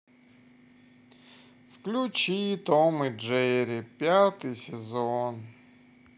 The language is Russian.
включи том и джерри пятый сезон